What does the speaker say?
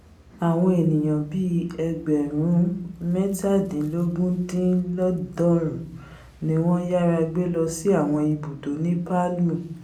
Àwọn ènìyàn bíi ẹgbẹ̀rún mẹ́tadínlógúndín-lọ́ọ̀dúnrún ni wọ́n yára gbélọ sí àwọn ibùdó ní Palu.